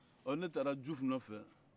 ɔ ne taara jufu nɔfɛ